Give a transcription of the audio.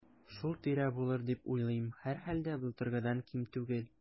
Шул тирә булыр дип уйлыйм, һәрхәлдә, былтыргыдан ким түгел.